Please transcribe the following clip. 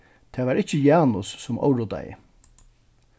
tað var ikki janus sum óruddaði